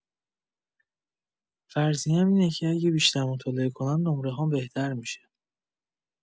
فرضیه‌ام اینه که اگه بیشتر مطالعه کنم، نمره‌هام بهتر می‌شه.